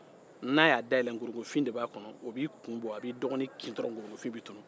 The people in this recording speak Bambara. a b'i kun bo a b'i dɔgonin kin dɔrɔn nkorongofin bɛ tunu